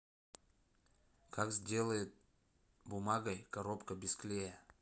как сделает бумагой коробка без клея